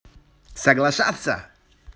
соглашается